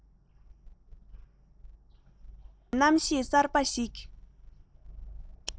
ལྡན པའི རྣམ ཤེས གསར པ ཞིག